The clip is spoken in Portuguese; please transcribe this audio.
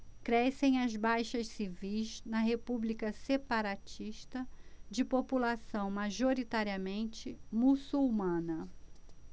crescem as baixas civis na república separatista de população majoritariamente muçulmana